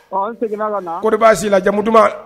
An seginna la ko de b'a si la jamu duman